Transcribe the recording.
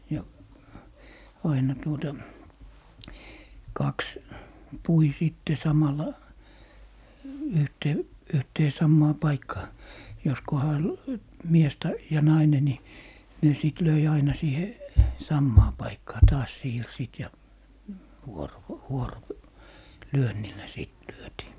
ja aina tuota kaksi pui sitten samalla - yhteen samaan paikkaan jos kunhan mies - ja nainen niin ne sitten löi aina siihen samaan paikkaan taas siirsivät ja -- vuorolyönnillä sitten lyötiin